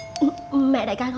ừm mẹ đại ca gọi